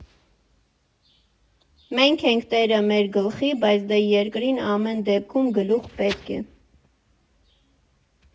Մենք ենք տերը մեր գլխի, բայց դե երկրին ամեն դեպքում գլուխ պետք է։